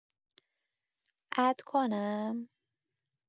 اد کنم؟